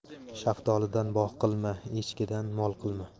shaftolidan bog' qilma echkidan mol qilma